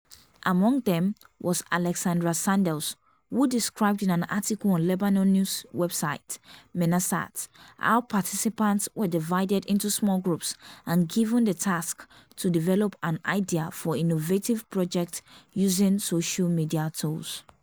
Among them, was Alexandra Sandels who described in an article on Lebanon news website, Menassat, how participants were divided into small groups and given the task to develop an idea for an innovative project using social media tools.